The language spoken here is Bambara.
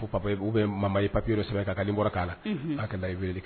Ko papa ye b ou bien mama ye papier dɔ sɛbɛn ka k'a numéro k'a la unhun a ka n'a ye weleli k